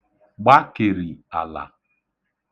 gbakèrì àlà